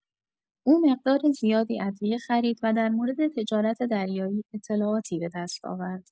او مقدار زیادی ادویه خرید و در مورد تجارت دریایی اطلاعاتی به دست آورد.